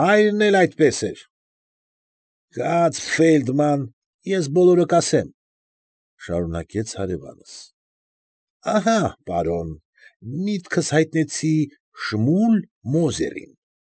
Հայրն էլ այնպես էր։ ֊ Կաց, Ֆեյլդման, ես բոլորը կասեմ,֊ շարունակեց հարևանս։֊ Ահա՛, պարոն, միտքս հայտնեցի Շմուլ Մոզերին։